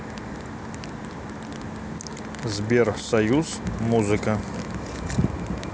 сбер союз музыка